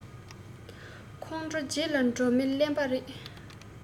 ཁོང ཁྲོའི རྗེས ལ འགྲོ མི གླེན པ རེད